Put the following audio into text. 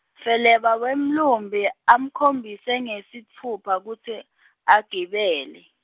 feleba wemlumbi, amkhombise ngesitfupha kutsi , agibele.